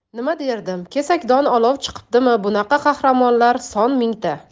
nima derdim kesakdan olov chiqibdimi bunaqa qahramonlar son mingta